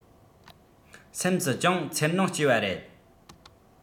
སེམས སུ ཅུང འཚེར སྣང སྐྱེ བ རེད